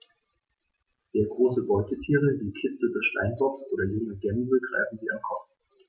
Sehr große Beutetiere wie Kitze des Steinbocks oder junge Gämsen greifen sie am Kopf.